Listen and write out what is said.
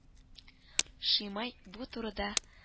Шимай бу турыда